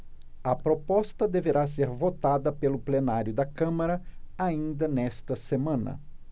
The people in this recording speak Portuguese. a proposta deverá ser votada pelo plenário da câmara ainda nesta semana